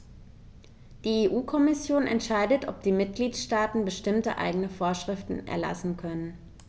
Die EU-Kommission entscheidet, ob die Mitgliedstaaten bestimmte eigene Vorschriften erlassen können.